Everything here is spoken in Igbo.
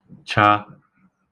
cha